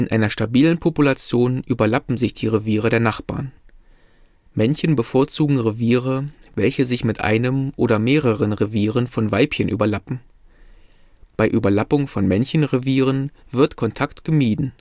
einer stabilen Population überlappen sich die Reviere der Nachbarn. Männchen bevorzugen Reviere, welche sich mit einem oder mehreren Revieren von Weibchen überlappen. Bei Überlappung von Männchenrevieren wird Kontakt gemieden